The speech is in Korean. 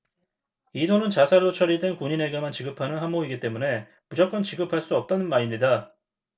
이 돈은 자살로 처리된 군인에게만 지급하는 항목이기 때문에 무조건 지급할 수 없다는 말입니다